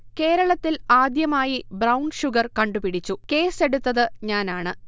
കേരളത്തിൽ ആദ്യമായി 'brown sugar' കണ്ടുപിടിച്ചു, കേസ്സെടുത്തത് ഞാനാണ്